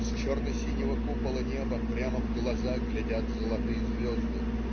С черно-синего купола неба прямо в глаза глядят золотые звезды.